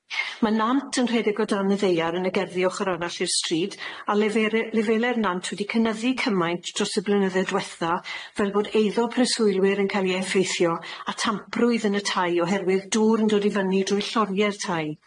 Ma' nant yn rhedeg o dan y ddaear yn y gerddi ochor arall i'r stryd a lefere- lefelau'r nant wedi cynyddu cymaint dros y blynydde dwetha fel bod eiddo preswylwyr yn ca'l i effeithio a tamprwydd yn y tai oherwydd dŵr yn dod i fyny drwy llorier tai.